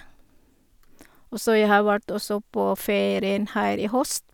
Og så jeg har vært også på ferien her i høst.